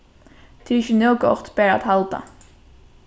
tað er ikki nóg gott bara at halda